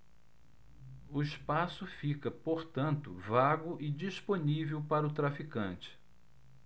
o espaço fica portanto vago e disponível para o traficante